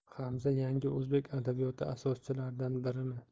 hamza yangi o'zbek adabiyoti asoschilaridan birimi